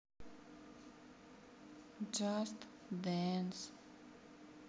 джаст денс